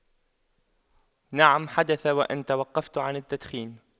نعم حدث وان توقفت عن التدخين